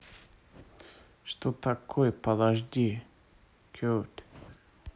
что такое подожди cut